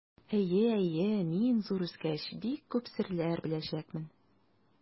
Әйе, әйе, мин, зур үскәч, бик күп серләр беләчәкмен.